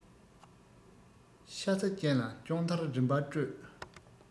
ཤ ཚ ཅན ལ སྐྱོང མཐར རིམ པར སྤྲོད